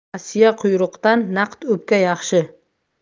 nasiya quyruqdan naqd o'pka yaxshi